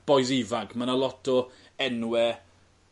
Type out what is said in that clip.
...bois ifanc ma' 'na lot o enwe